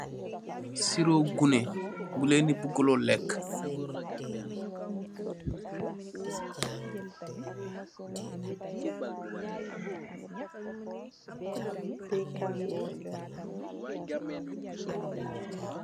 Siro gune, buleen di buguloo leekú.